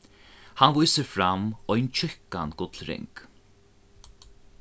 hann vísir fram ein tjúkkan gullring